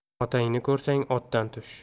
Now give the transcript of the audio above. otangni ko'rsang otdan tush